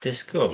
Disgo?